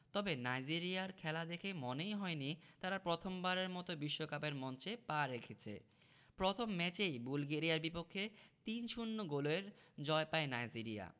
তবে নাইজেরিয়ার খেলা দেখে মনেই হয়নি তারা প্রথমবারের মতো বিশ্বকাপের মঞ্চে পা রেখেছে প্রথম ম্যাচেই বুলগেরিয়ার বিপক্ষে ৩ ০ গোলের জয় পায় নাইজেরিয়া